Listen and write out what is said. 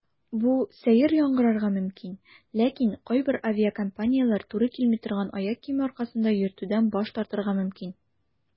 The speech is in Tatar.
Бу сәер яңгырарга мөмкин, ләкин кайбер авиакомпанияләр туры килми торган аяк киеме аркасында йөртүдән баш тартырга мөмкин.